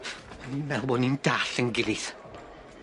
O'n i'n meddwl bo' ni'n dall' 'yn gilydd.